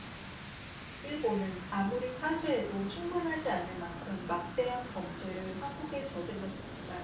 일본은 아무리 사죄해도 충분하지 않을 만큼 막대한 범죄를 한국에 저질렀습니다